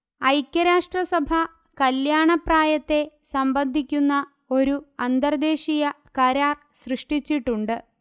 ഐക്യരാഷട്രസഭ കല്യാണപ്രായത്തെ സംബന്ധിക്കുന്ന ഒരു അന്തർദേശീയ കരാർ സൃഷ്ടിച്ചിട്ടുണ്ട്